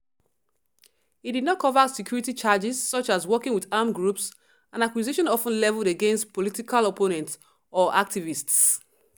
It did not cover security charges, such as working with armed groups — an accusation often levelled against political opponents or activists.